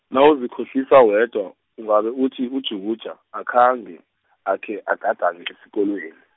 nawuzikhohlisa uwedwa, ungabe uthi uJuguja akhange, akhe agadange esikolweni.